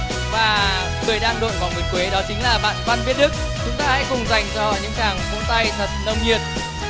và người đang đội vòng nguyệt quế đó chính là bạn văn viết đức chúng ta hãy cùng dành cho họ những tràng vỗ tay thật nồng nhiệt